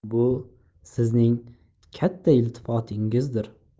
bu sizning katta iltifotingizdir